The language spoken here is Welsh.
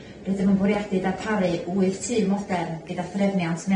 Rydym yn bwriadu darparu wyth tŷ modern gyda threfniant mewnol